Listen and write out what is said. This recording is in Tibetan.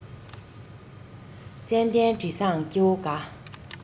ཙན དན དྲི བཟང སྐྱེ བོ དགའ